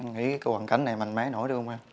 em nghĩ cái hoàn cảnh này mạnh mẽ nổi được hông em